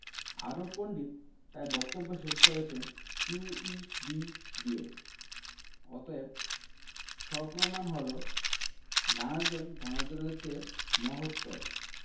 আরব পণ্ডিত তাই বক্তব্য শেষ করেছেন কিউ ই ডি দিয়ে অতএব সপ্রমাণ হল জ্ঞানার্জন ধনার্জনের চেয়ে মহত্তর